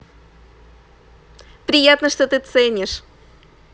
приятно что ты ценишь